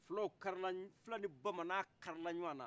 fulaw kari la n fula ni bamanan kari la ɲɔgɔn na